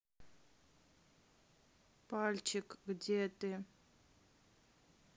пальчик где ты